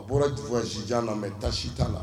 A bɔra voyage jan na mais tâches t'a la.